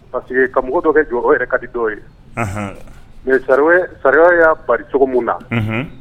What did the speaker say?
Parce que ka mɔgɔ dɔ kɛ jɔn ye yɛrɛ o ka di dɔw ye mais sariya y'a bari cogo min na, unhun;